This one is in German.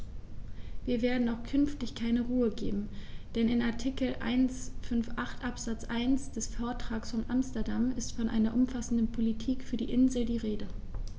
Wir werden auch künftig keine Ruhe geben, denn in Artikel 158 Absatz 1 des Vertrages von Amsterdam ist von einer umfassenden Politik für die Inseln die Rede.